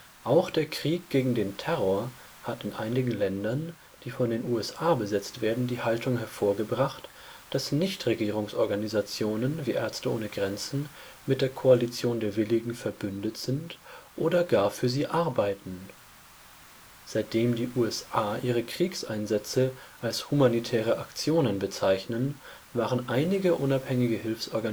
Auch der „ Krieg gegen den Terror “hat in einigen Ländern, die von den USA besetzt werden, die Haltung hervorgebracht, dass Nichtregierungsorganisationen wie Ärzte ohne Grenzen mit der „ Koalition der Willigen “verbündet sind oder gar für sie arbeiten. Seitdem die USA ihre Kriegseinsätze als „ humanitäre Aktionen “bezeichnen, waren einige unabhängige Hilfsorganisation